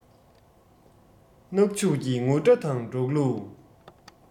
གནག ཕྱུགས ཀྱི ངུར སྒྲ དང འབྲོག གླུ